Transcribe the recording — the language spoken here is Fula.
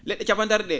le??e capantati ?ee